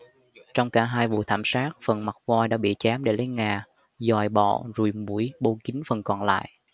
trong cả hai vụ thảm sát phần mặt voi đã bị chém để lấy ngà giòi bọ ruồi muỗi bâu kín phần còn lại